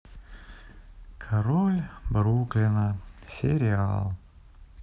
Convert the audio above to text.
король бруклина сериал